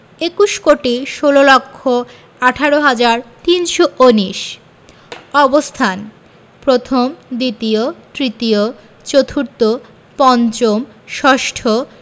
একুশ কোটি ষোল লক্ষ আঠারো হাজার তিনশো উনিশ অবস্থানঃ প্রথম দ্বিতীয় তৃতীয় চতুর্থ পঞ্চম ষষ্ঠ